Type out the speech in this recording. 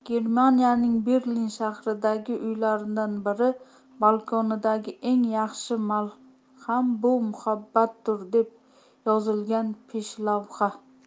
germaniyaning berlin shahridagi uylardan biri balkonidagi eng yaxshi malham bu muhabbatdir deb yozilgan peshlavha